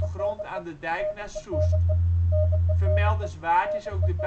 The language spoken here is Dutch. grond aan de dijk naar Soest. Vermeldenswaard is ook de